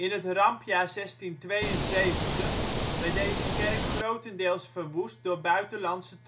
het Rampjaar 1672 werd deze kerk grotendeels verwoest door buitenlandse